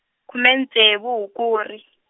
khume ntsevu Hukuri.